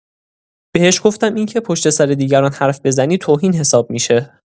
بهش گفتم اینکه پشت‌سر دیگران حرف بزنی، توهین حساب می‌شه.